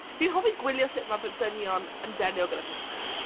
Fi'n hoffi gwylio sut mae dynion yn delio gyda phethau.